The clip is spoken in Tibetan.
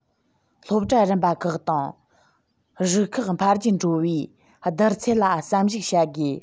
སློབ གྲྭ རིམ པ ཁག དང རིགས ཁག འཕེལ རྒྱས འགྲོ བའི བསྡུར ཚད ལ བསམ གཞིགས བྱ དགོས